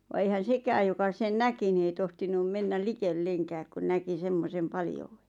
vaan eihän sekään joka sen näki niin ei tohtinut mennä likellekään kun näki semmoisen paljouden